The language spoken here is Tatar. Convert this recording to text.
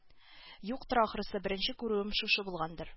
Юктыр ахрысы беренче күрүем шушы булгандыр